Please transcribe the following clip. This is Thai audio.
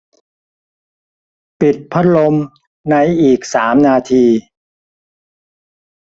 ปิดพัดลมในอีกสามนาที